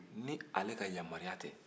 ni ale ka yamaruya tɛ